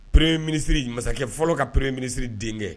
Premier ministre masakɛ fɔlɔ ka premier ministre denkɛ.